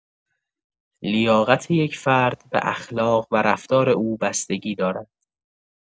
لیاقت یک فرد به اخلاق و رفتار او بستگی دارد.